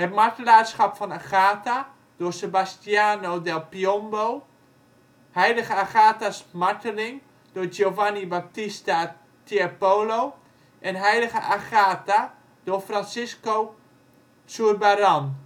martelaarschap van Agatha " door Sebastiano del Piombo, " Heilige Agatha 's marteling " door Giovanni Battista Tiepolo en " Heilige Agatha " door Francisco Zurbarán